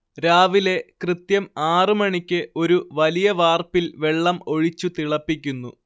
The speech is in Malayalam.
രാവിലെ കൃത്യം ആറ് മണിക്ക് ഒരു വലിയ വാർപ്പിൽ വെള്ളം ഒഴിച്ചു തിളപ്പിക്കുന്നു